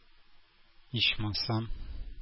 Ичмасам